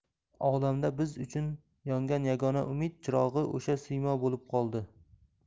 olamda biz uchun yongan yagona umid chirog'i o'sha siymo bo'lib qoldi